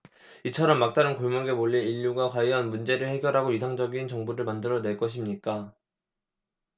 이처럼 막다른 골목에 몰린 인류가 과연 문제를 해결하고 이상적인 정부를 만들어 낼 것입니까